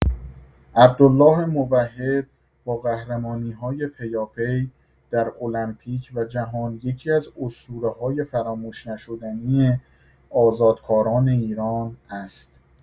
عبدالله موحد با قهرمانی‌های پیاپی در المپیک و جهان یکی‌از اسطوره‌های فراموش‌نشدنی آزادکاران ایران است.